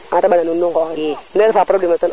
te ɓana nuun nu ngoox ne refa probleme na ten aussi